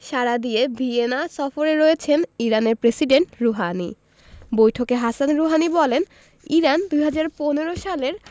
সাড়া দিয়ে ভিয়েনা সফরে রয়েছেন ইরানের প্রেসিডেন্ট রুহানি বৈঠকে হাসান রুহানি বলেন ইরান ২০১৫ সালের